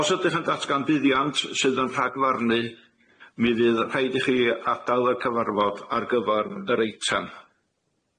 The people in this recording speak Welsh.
Os ydych yn datgan buddiant sydd yn rhagfarnu mi fydd rhaid i chi adael y cyfarfod ar gyfer yr eitam.